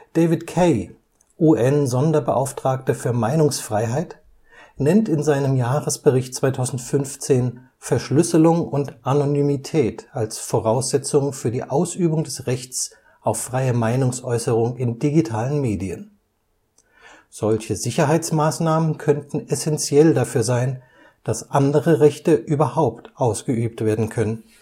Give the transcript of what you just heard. David Kaye, UN-Sonderbeauftragter für Meinungsfreiheit, nennt in seinem Jahresbericht 2015 Verschlüsselung und Anonymität als Voraussetzung für die Ausübung des Rechts auf freie Meinungsäußerung in digitalen Medien. Solche Sicherheitsmaßnahmen könnten essentiell dafür sein, dass andere Rechte überhaupt ausgeübt werden können